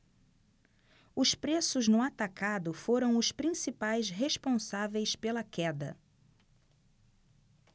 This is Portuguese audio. os preços no atacado foram os principais responsáveis pela queda